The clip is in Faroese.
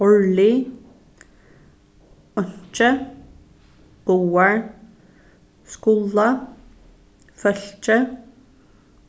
árlig einki báðar skula fólki